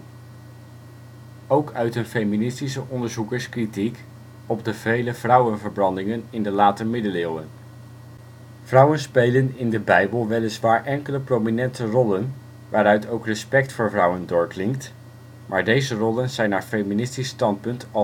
feministische onderzoekers kritiek op de vele vrouwenverbrandingen in de late middeleeuwen. Vrouwen spelen in de bijbel weliswaar enkele prominente rollen waaruit ook respect voor vrouwen doorklinkt, maar deze rollen zijn naar feministisch standpunt